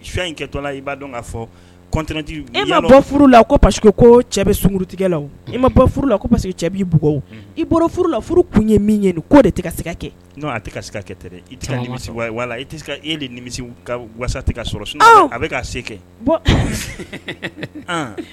In kɛtɔ la i b'a dɔn ka fɔtj ma furu la ko parce ko cɛ bɛ sunkuru tigɛ la i ma furu la ko cɛ b'i bug i bolo furu la furu kun ye min ye nin ko de tɛ ka s kɛ a tɛ ka s kɛ tɛ imi i emi wasa tigɛ sɔrɔ sun a bɛ' se kɛ